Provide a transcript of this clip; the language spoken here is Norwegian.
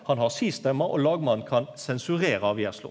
han har si stemma og lagmannen kan sensurera avgjersla.